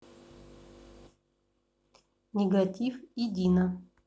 нигатив и дино